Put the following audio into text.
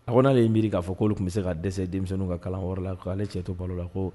A ko'ale ye miiri k'a fɔ ko oluolu tun bɛ se ka dɛsɛ denmisɛnninw ka kalan wɛrɛ la k' ale cɛ to balo la ko